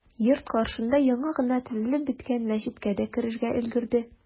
Йорт каршында яңа гына төзелеп беткән мәчеткә дә керергә өлгерде.